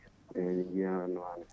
eyyi min jiih hen rendement no fewi